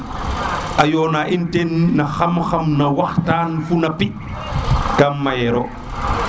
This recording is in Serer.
a yona in teen no xam xam no wax tan fo na pi ka mayero